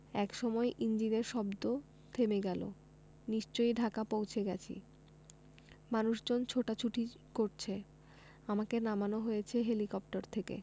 একসময় ইঞ্জিনের শব্দ থেমে গেলো নিশ্চয়ই ঢাকা পৌঁছে গেছি মানুষজন ছোটাছুটির করছে আমাকে নামানো হয়েছে হেলিকপ্টার থেকে